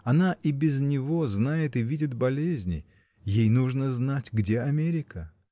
Она и без него знает и видит болезни: ей нужно знать, где Америка?